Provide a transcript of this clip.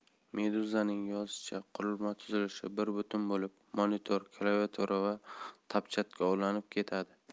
meduza'ning yozishicha qurilma tuzilishi bir butun bo'lib monitor klaviatura va tapchadga ulanib ketadi